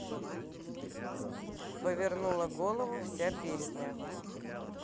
повернула голову вся песня